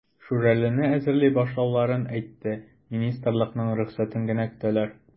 "шүрәле"не әзерли башлауларын әйтте, министрлыкның рөхсәтен генә көтәләр.